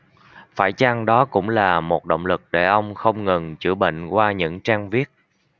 phải chăng đó cũng là một động lực để ông không ngừng chữa bệnh qua những trang viết